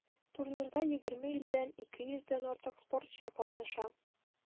Турнирда 20 илдән 200 дән артык спортчы катнаша.